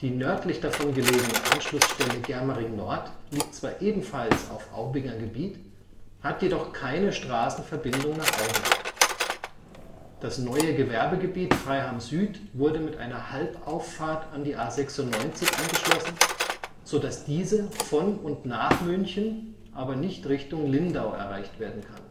nördlich davon gelegene Anschlussstelle Germering-Nord liegt zwar ebenfalls auf Aubinger Gebiet, hat jedoch keine Straßenverbindung nach Aubing. Das neue Gewerbegebiet Freiham Süd wurde mit einer Halbauffahrt an die A96 angeschlossen, so dass diese von und nach München, nicht aber Richtung Lindau erreicht werden kann